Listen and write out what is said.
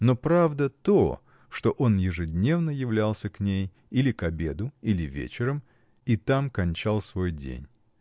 Но правда то, что он ежедневно являлся к ней, или к обеду, или вечером, и там кончал свой день.